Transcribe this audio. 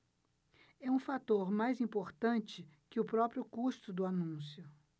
é um fator mais importante que o próprio custo do anúncio